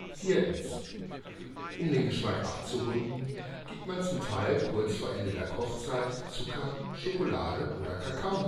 den Geschmack abzurunden, gibt man zum Teil kurz vor Ende der Kochzeit Zucker, Schokolade oder Kakao